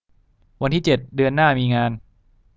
วันที่เจ็ดเดือนหน้ามีงาน